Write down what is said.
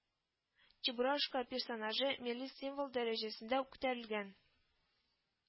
Чебурашка персонажы– милли символ дәрәҗәсендә үк күтәрелгән